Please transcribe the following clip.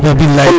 Bilay